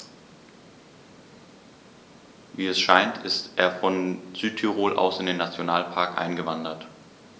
Wie es scheint, ist er von Südtirol aus in den Nationalpark eingewandert.